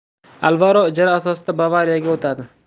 alvaro ijara asosida bavariya ga o'tadi